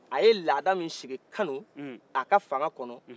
a ye ladan min sigi kanu a ka fangan kɔnɔ